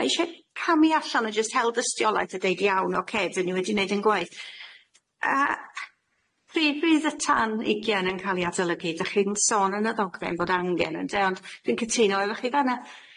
Ma' isie camu allan o jyst hel dystiolaeth a deud iawn oce dyn ni wedi neud ein gwaith. A pryd bydd y tan ugian yn ca'l i adolygu dych chi'n sôn yn y ddogfen fod angen ynde ond dwi'n cytuno efo chi fan'a.